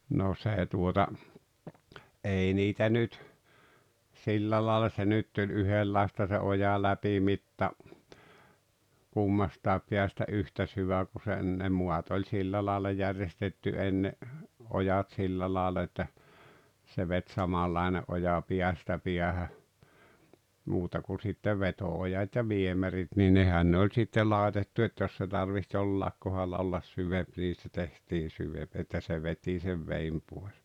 no se tuota ei niitä nyt sillä lailla se nyt tuli yhdenlaista se ojan läpimitta kummastakin päästä yhtä syvä kun se ne maat oli sillä lailla järjestetty ennen ojat sillä lailla että se veti samanlainen oja päästä päähän muuta kuin sitten veto-ojat ja viemärit niin nehän ne oli sitten laitettu et jos se tarvitsi jollakin kohdalla olla syvempi niin se tehtiin syvempi että se veti sen veden pois